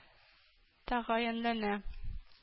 Тәгаенләнә